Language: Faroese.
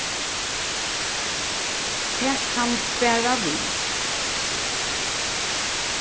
tak hann bara við